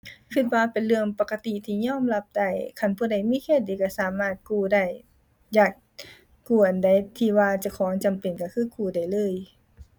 คิดว่าเป็นเรื่องปกติที่ยอมรับได้ คันผู้ใดมีเครดิตคิดสามารถกู้ได้ อยากกู้อันใดที่ว่าเจ้าของจำเป็นคิดคือกู้ได้เลย